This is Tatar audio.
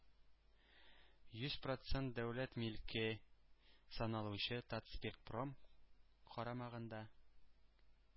Йөз процент дәүләт милке саналучы “татспиртпром” карамагында.